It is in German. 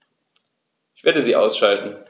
Ich werde sie ausschalten